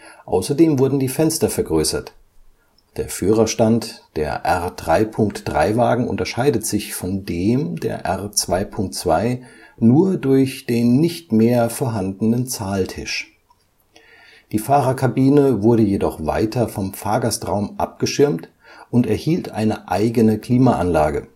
Außerdem wurden die Fenster vergrößert. Der Führerstand der R-3.3-Wagen unterscheidet sich von dem der R 2.2 nur durch den nicht mehr vorhanden Zahltisch. Die Fahrerkabine wurde jedoch weiter vom Fahrgastraum abgeschirmt und erhielt eine eigene Klimaanlage